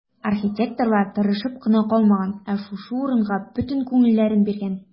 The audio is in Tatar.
Архитекторлар тырышып кына калмаган, ә шушы урынга бөтен күңелләрен биргән.